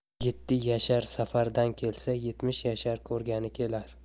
yetti yashar safardan kelsa yetmish yashar ko'rgani kelar